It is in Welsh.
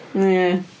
Ia.